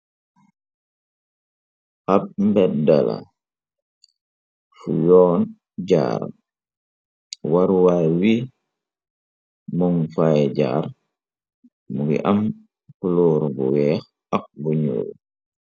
Ab mbeddala su yoon jaaran warwaay wi mom faay jaar mungi am kolooru bu weex aq bu ñul.